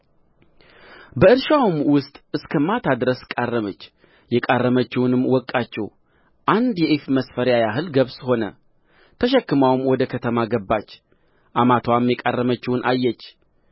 በእርሻውም ውስጥ እስከ ማታ ድረስ ቃረመች የቃረመችውንም ወቃችው አንድ የኢፍ መስፈሪያ ያህልም ገብስ ሆነ ተሸክማውም ወደ ከተማ ገባች አማትዋም የቃረመችውን አየች